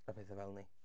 A pethau fel 'ny.